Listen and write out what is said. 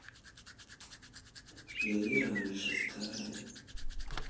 я и раньше старая